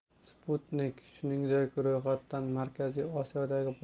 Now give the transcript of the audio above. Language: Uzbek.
sputnik shuningdek ro'yxatdan markaziy osiyodagi